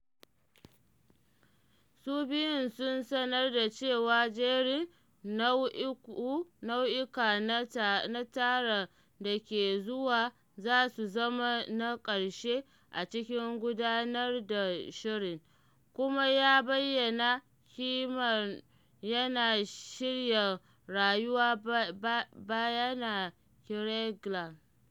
Su biyun sun sanar da cewa jerin nau’uka na tara da ke zuwa za su zama na ƙarshe a cikin gudanar da shirin, kuma ya bayyana Kiernan yana shirya rayuwa bayana Craiglang.